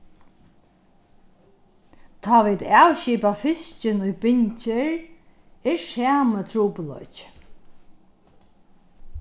tá vit avskipa fiskin í bingjur er sami trupulleiki